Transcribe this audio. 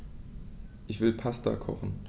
Ich will Pasta kochen.